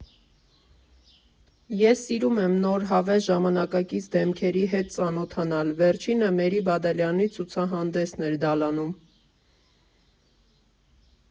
Ես սիրում եմ նոր, հավես, ժամանակակից դեմքերի հետ ծանոթանալ, վերջինը Մերի Բադալյանի ցուցահանդեսն էր Դալանում։